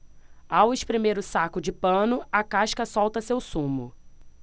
ao espremer o saco de pano a casca solta seu sumo